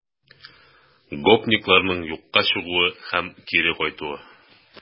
Гопникларның юкка чыгуы һәм кире кайтуы